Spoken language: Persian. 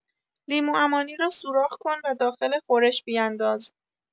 لیموعمانی را سوراخ‌کن و داخل خورش بینداز.